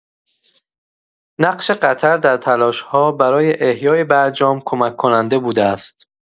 نقش قطر در تلاش‌ها برای احیای برجام کمک‌کننده بوده است.